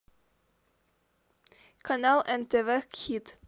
канал нтв хит